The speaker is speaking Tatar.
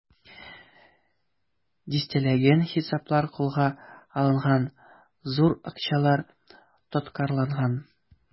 Дистәләгән хисаплар кулга алынган, зур акчалар тоткарланган.